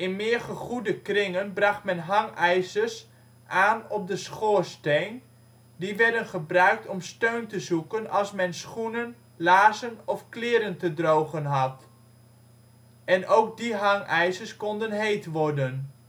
meer gegoede kringen bracht men hangijzers aan op de schoorsteen. Die werden gebruikt om steun te zoeken als men schoenen, laarzen of kleren te drogen had. En ook die hangijzers konden heet worden